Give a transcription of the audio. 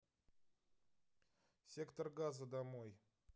сектор газа домой